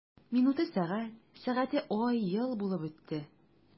Минуты— сәгать, сәгате— ай, ел булып үтте.